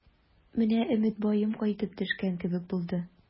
Менә Өметбаем кайтып төшкән кебек булды.